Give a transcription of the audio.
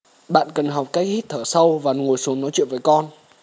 bạn cần học cách hít thở sâu và ngồi xuống nói chuyện với con